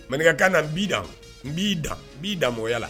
Mankan na n b'i dan n b'i dan b'i dan oya la